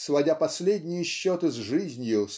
сводя последние счеты с жизнью